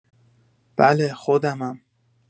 بله، خودمم.